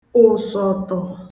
ụ̀sọ̀tọ̀